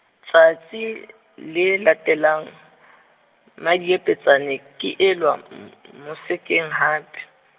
tsatsi, le latelang , Mmadiepetsane ke elwa, mosekeng hape.